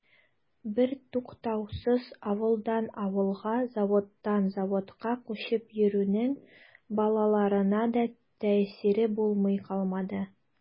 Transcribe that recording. Бертуктаусыз авылдан авылга, заводтан заводка күчеп йөрүнең балаларына да тәэсире булмый калмады.